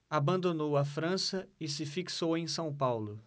abandonou a frança e se fixou em são paulo